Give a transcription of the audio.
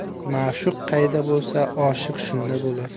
ma'shuq qayda bo'lsa oshiq shunda bo'lar